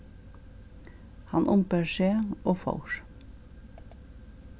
hann umbar seg og fór